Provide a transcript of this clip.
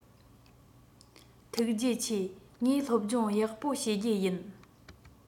ཐུགས རྗེ ཆེ ངས སློབ སྦྱོང ཡག པོ བྱེད རྒྱུ ཡིན